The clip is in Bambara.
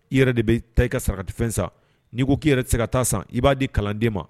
I yɛrɛ de bɛ taa i ka sagatifɛn san n'i ko k ii yɛrɛ sɛgɛ ka taa san i b'a di kalanden ma